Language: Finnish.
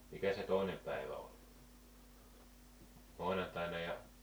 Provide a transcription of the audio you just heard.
mikä se toinen päivä oli maanantaina ja